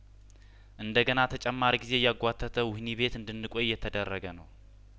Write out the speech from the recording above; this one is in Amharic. እንደ ገና ተጨማሪ ጊዜ እያጓተተ ውህኒ ቤት እንድንቆይ እየተደረገ ነው